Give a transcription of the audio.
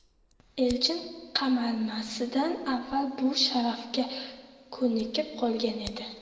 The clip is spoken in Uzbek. elchin qamalmasidan avval bu sharafga ko'nikib qolgan edi